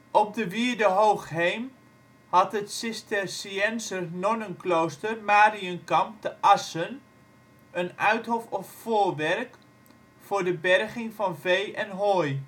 Op de wierde Hoogheem had het cisterciënser nonnenklooster Mariënkamp te Assen een uithof of voorwerk voor de berging van vee en hooi